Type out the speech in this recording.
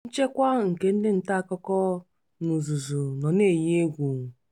Nchekwa nke ndị nta akụkọ, n'ozuzu, nọ n'eyi egwu.